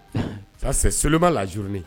Sabu so b'a laurunin